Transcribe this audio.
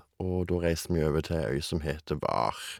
Og da reiste vi over til ei øy som heter Hvar.